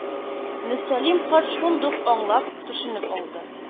Мөсәллим карт шундук аңлап-төшенеп алды